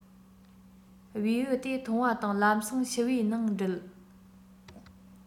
བེའུ དེ མཐོང བ དང ལམ སེང ཕྱུ པའི ནང སྒྲིལ